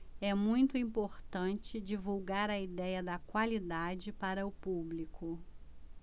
é muito importante divulgar a idéia da qualidade para o público